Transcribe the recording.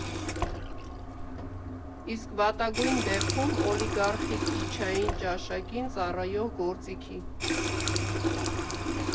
Իսկ վատագույն դեպքում՝ օլիգարխիկ կիտչային ճաշակին ծառայող գործիքի։